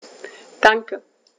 Danke.